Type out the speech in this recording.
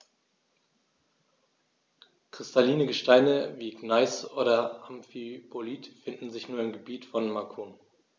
Kristalline Gesteine wie Gneis oder Amphibolit finden sich nur im Gebiet von Macun.